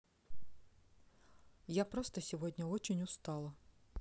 я просто сегодня очень устала